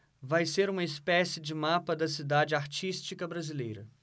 vai ser uma espécie de mapa da cidade artística brasileira